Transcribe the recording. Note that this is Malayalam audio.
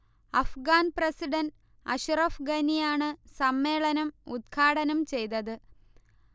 അഫ്ഗാൻ പ്രസിഡന്റ് അഷ്റഫ് ഗനിയാണ് സമ്മേളനം ഉദ്ഘാടനം ചെയ്തത്